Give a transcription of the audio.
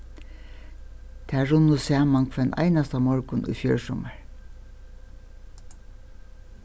tær runnu saman hvønn einasta morgun í fjør summar